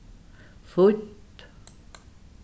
fínt